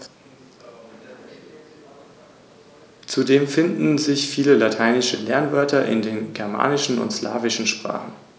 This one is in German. Dies betrifft in gleicher Weise den Rhöner Weideochsen, der auch als Rhöner Biosphärenrind bezeichnet wird.